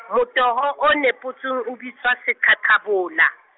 motoho o nepotsweng o bitswa seqhaqhabola.